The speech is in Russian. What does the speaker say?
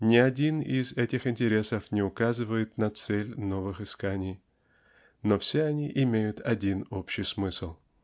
Ни один из этих интересов не указывает на цель новых исканий но все они имеют один общий смысл.